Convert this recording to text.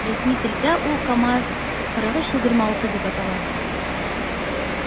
Рәсми телдә ул “КамАЗ- 4326” дип атала.